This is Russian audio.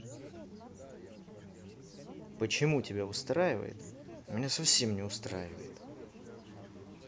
почему тебя устраивает а меня совсем не устраивает